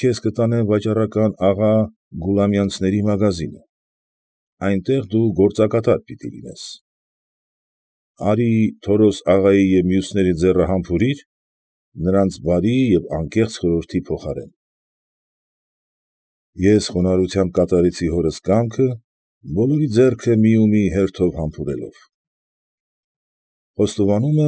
Առաջինի մեջ։